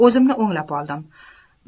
o'zimni o'nglab oldim